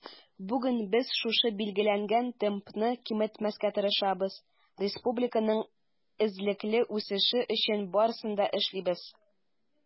Бүген без шушы билгеләнгән темпны киметмәскә тырышабыз, республиканың эзлекле үсеше өчен барысын да эшлибез.